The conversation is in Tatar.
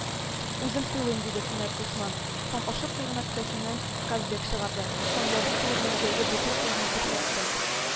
—үзем сыйлыйм,—диде кинәт госман һәм ашыкмый гына кесәсеннән “казбек” чыгарды һәм ябык кулы белән җәйге буфет ягына күрсәтте